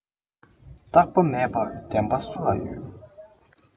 རྟག པ མེད པར བདེན པ སུ ལ ཡོད